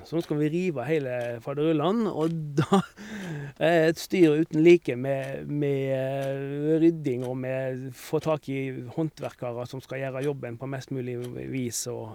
Så nå skal vi rive heile faderullan, og det er et styr uten like med med rydding og med få tak i håndverkere som skal gjøre jobben på mest mulig vis og...